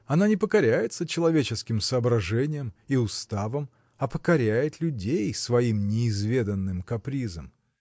Она не покоряется человеческим соображениям и уставам, а покоряет людей своим неизведанным капризам!